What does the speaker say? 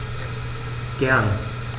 Gern.